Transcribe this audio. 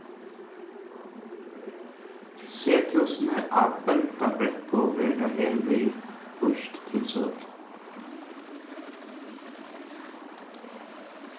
sethúsini á bóndabrekku verða hervið lýst til sølu